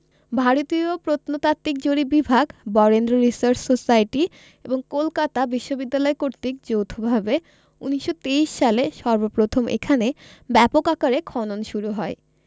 ভারতীয় প্রত্নতাত্ত্বিক জরিপ বিভাগ বরেন্দ্র রিসার্চ সোসাইটি এবং কলকাতা বিশ্ববিদ্যালয় কর্তৃক যৌথভাবে ১৯২৩ সালে সর্বপ্রথম এখানে ব্যাপক আকারে খনন শুরু হয়